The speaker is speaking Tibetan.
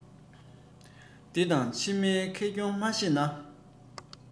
འདི དང ཕྱི མའི ཁེ གྱོང མ ཤེས ན